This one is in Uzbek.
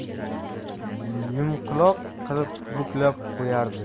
yumqloq qilib buklab qo'yardi